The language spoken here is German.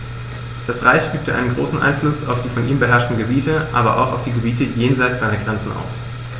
Das Reich übte einen großen Einfluss auf die von ihm beherrschten Gebiete, aber auch auf die Gebiete jenseits seiner Grenzen aus.